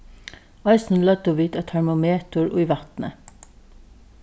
eisini løgdu vit eitt termometur í vatnið